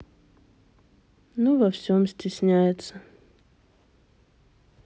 ну во всем стесняется